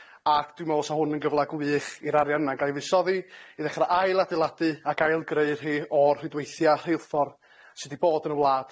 ac dwi'n me'wl' 'sa hwn yn gyfla gwych i'r arian yna ga'l 'i fuddsoddi, i ddechre ailadeiladu ac ail-greu'r rhei o'r rhwydweithia' rheilffor sy' 'di bod yn y wlad,